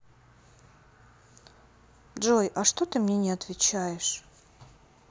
джой а что ты мне не отвечаешь